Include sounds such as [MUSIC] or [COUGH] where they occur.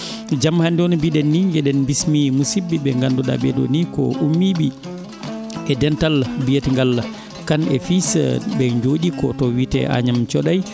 [MUSIC] jamma hannde o no mbiɗen nii eɗen bismi musiɓɓe ɓe ngannduɗaa ɓee ɗoo nii ko ummiiɓe e dental mbiyete ngal Kane et fils ɓe njooɗii koto wiyetee Agname Thioday